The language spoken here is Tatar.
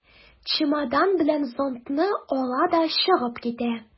Чемодан белән зонтны ала да чыгып китә.